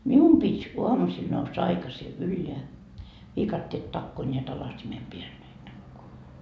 minun piti aamusilla nousta aikaisin ylös viikatteet takoa näet alasimen päällä ne takoa